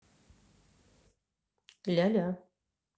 ляля